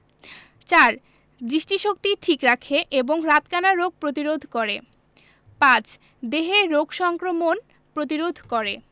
৪. দৃষ্টিশক্তি ঠিক রাখে এবং রাতকানা রোগ প্রতিরোধ করে ৫. দেহে রোগ সংক্রমণ প্রতিরোধ করে